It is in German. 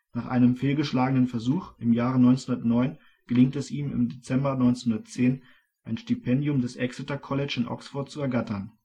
Nach einem fehlgeschlagenen Versuch im Jahre 1909 gelingt es ihm im Dezember 1910, ein Stipendium des Exeter College in Oxford zu ergattern